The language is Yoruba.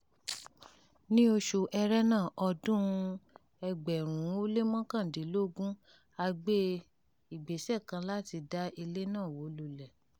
Nínú oṣùu Ẹrẹ́nà ọdún-un 2019, a gbé ìgbésẹ̀ kan láti da ilé náà wó lulẹ̀.